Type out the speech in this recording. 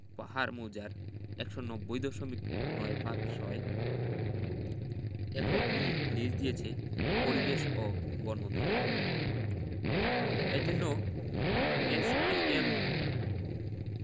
পাহাড় মৌজার ১৯০ দশমিক নয় পাঁচ ছয় একর ভূমি লিজ দিয়েছে পরিবেশ ও বন মন্ত্রণালয় এজন্য এসপিএম